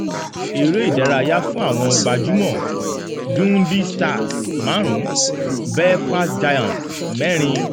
Eré-ìdárayá fún àwọn Gbajúmọ̀: Dundee Stars 5, Belfast Giants 4